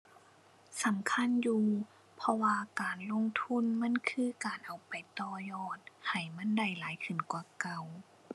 สำคัญอยู่ เพราะว่าการลงทุนมันคือการเอาไปต่อยอดให้มันได้หลายขึ้นกว่าเก่า